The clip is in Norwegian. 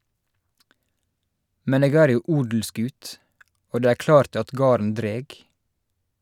Men eg er jo odelsgut, og det er klart at garden dreg.